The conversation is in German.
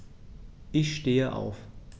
Ich stehe auf.